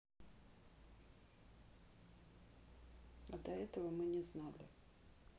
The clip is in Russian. а до этого мы не знали